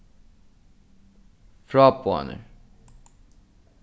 fráboðanir